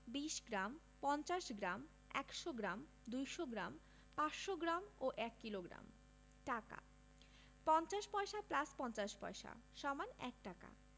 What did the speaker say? ২০ gram ৫০ gram ১০০ gram ২০০ gram ৫০০ gram ও ১ kilogram টাকাঃ ৫০ পয়সা + ৫০ পয়স = ১ টাকা